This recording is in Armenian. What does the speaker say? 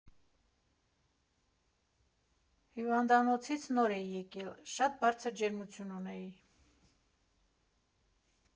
Հիվանդանոցից նոր էի եկել, շատ բարձր ջերմություն ունեի։